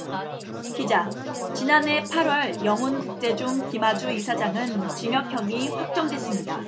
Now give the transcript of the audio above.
기자 지난해 팔 월 영훈국제중 김하주 이사장은 징역형이 확정됐습니다